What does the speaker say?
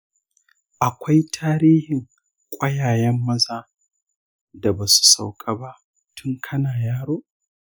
akwai tarihin ƙwayayen maza da ba su sauka ba tun kana yaro?